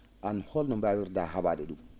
aan holno mbawirtaa ha?aade ?um